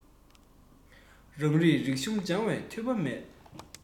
རང རིགས རིག གཞུང སྦྱངས པའི ཐོས པ མེད